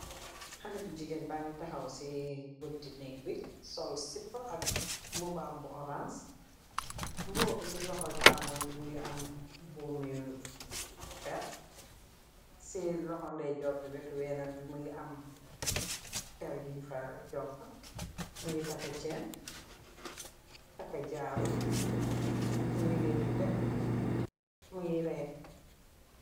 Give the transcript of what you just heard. Xalèh bu jigéen ba ngi taxaw ci bunti négg bi sol sipá ak mbubam bu orans mbubu bi ci loxo camooy bi mungi am buum mi peer ci loxo ndey joor bi wetu wenam bi mungi am peer yun fa joku mungi taka cèèn takka jaru mu ngi lèttu tekk muy rèè.